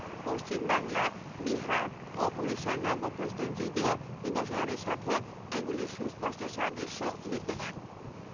পশ্চিম বাংলা বিহার ও উড়িষ্যার নব্য প্রস্তর যুগীয় নিদর্শনাদির সাথে এগুলির সুস্পষ্ট সাদৃশ্য বিদ্যমান